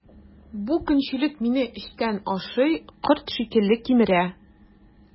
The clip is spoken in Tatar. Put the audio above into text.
Бу көнчелек мине эчтән ашый, корт шикелле кимерә.